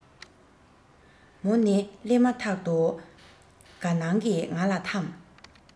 མོ ནི སླེབ མ ཐག ཏུ དགའ སྣང གི ང ལ ཐམས